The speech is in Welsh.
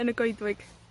yn y goedwig.